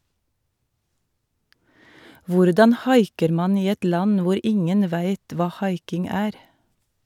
Hvordan haiker man i et land hvor ingen veit hva haiking er?